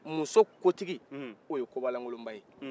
muso kotigi o ye kobalankoloba ye